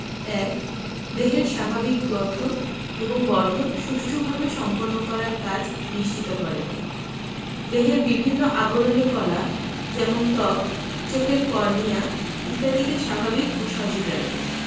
১. দেহের স্বাভাবিক গঠন এবং বর্ধন সুষ্ঠুভাবে সম্পন্ন করার কাজ নিশ্চিত করে দেহের বিভিন্ন আবরণী কলা যেমন ত্বক চোখের কর্নিয়া ইত্যাদিকে স্বাভাবিক ও সজীব রাখে